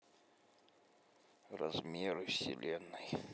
размеры вселенной